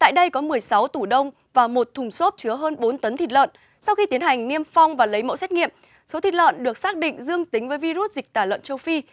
tại đây có mười sáu tủ đông vào một thùng xốp chứa hơn bốn tấn thịt lợn sau khi tiến hành niêm phong và lấy mẫu xét nghiệm số thịt lợn được xác định dương tính với vi rút dịch tả lợn châu phi